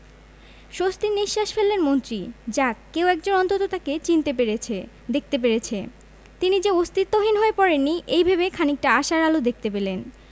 স্বস্তির নিশ্বাস ফেললেন মন্ত্রী যাক কেউ একজন অন্তত তাঁকে চিনতে পেরেছে দেখতে পেরেছে তিনি যে অস্তিত্বহীন হয়ে পড়েননি এই ভেবে খানিকটা আশার আলো দেখতে পেলেন